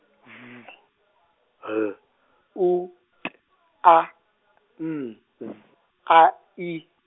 V L U T A N D A I.